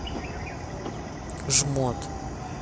жмот